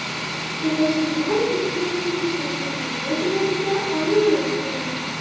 Керәшеннәр үзләренең төркемнәре белән дә аерылып тора.